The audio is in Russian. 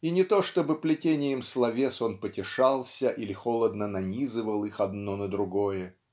И не то чтобы плетением словес он потешался или холодно нанизывал их одно на другое